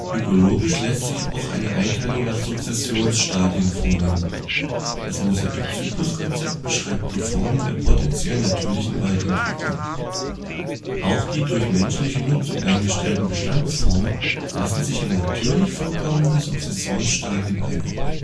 Ökologisch lässt sich auch eine Einteilung nach Sukzessionsstadien vornehmen: das Mosaik-Zyklus-Konzept beschreibt die Formen der potentiell natürlichen Waldentwicklung. Auch die durch menschliche Nutzung eingestellten Bestandesformen lassen sich in natürlich vorkommende Sukzessionsstadien einordnen